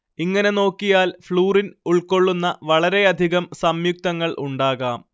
ഇങ്ങനെ നോക്കിയാൽ ഫ്ലൂറിൻ ഉൾക്കൊള്ളുന്ന വളരെയധികം സംയുക്തങ്ങൾ ഉണ്ടാകാം